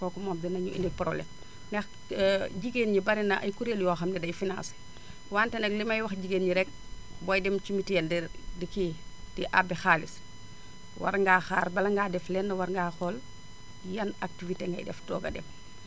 kooku moom dinañu indil problème ndax jigéen ñi bari na ay kuréel yoo xam ne day financé wante nag li may wax jigéen ñi rek booy dem ci mutuel di kii di àbbi xaalis war ngaa xaar bala ngaa def lenn war ngaa xool yan activités ngay def doog a dem